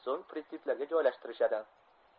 so'ng pritseplarga joylashtirishadi